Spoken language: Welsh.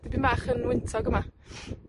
dipyn bach yn wyntog yma.